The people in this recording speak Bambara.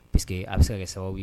Parce que a bɛ se ka kɛ sababu ye